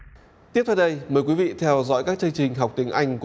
tiếp theo đây mời quý vị theo dõi các chương trình học tiếng anh của